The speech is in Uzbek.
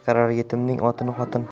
chiqarar yetimning otini xotin